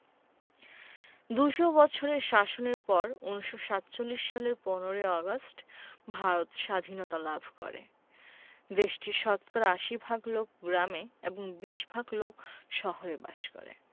দু'শ বছরের শাসনের পর ১৯৪৭ সালের ১৫ ই আগস্ট ভারত সাধীনতা লাভ করেদেশটির শতকরা ৮০ ভাগ লোক গ্রামে এবং ২০ ভাগ লোক শহরে বাস করে